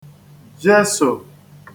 jesò